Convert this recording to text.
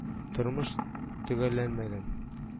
Тормыш төгәлләнмәгән